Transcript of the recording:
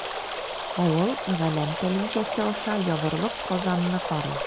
Авыл галәм тәлинкәсе аша ябырылып Казанны карый.